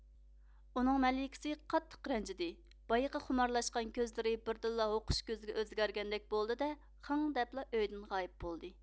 ئۇنىڭ مەلىكىسى قاتتىق رەنجىدى بايىقى خۇمارلاشقان كۆزلىرى بىردىنلا ھوقۇش كۆزىگە ئۆزگەرگەندەك بولدى دە خىڭ دەپلا ئۆيدىن غايىپ بولدى